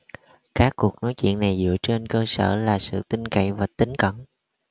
các cuộc nói chuyện này dựa trên cơ sở là sự tin cậy và tín cẩn